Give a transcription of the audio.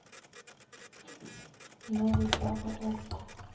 новый папа окко